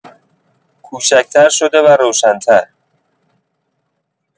کوچک‌تر شده و روشن‌تر.